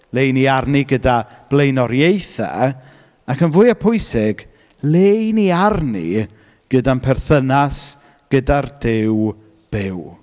Le ‘y ni arni gyda blaenoriaethau, ac yn fwyaf pwysig, le ‘y ni arni gyda'n perthynas gyda'r Duw byw.